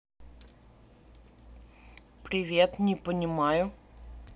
привет не понимаю